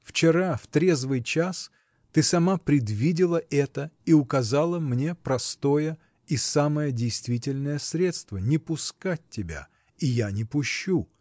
Вчера, в трезвый час, ты сама предвидела это и указала мне простое и самое действительное средство — не пускать тебя — и я не пущу.